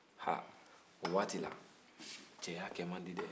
aa o waati la cɛya kɛ man di dɛ